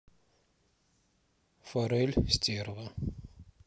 форель стерва